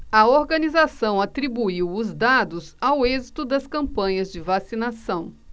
a organização atribuiu os dados ao êxito das campanhas de vacinação